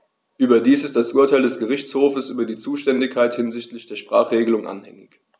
Überdies ist das Urteil des Gerichtshofes über die Zuständigkeit hinsichtlich der Sprachenregelung anhängig.